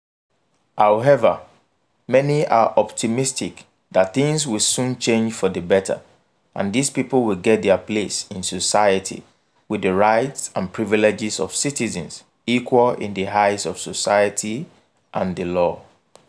However, many are optimistic that things will soon change for the better and these people will get their place in society with the rights and privileges of citizens equal in the eyes of society and the law.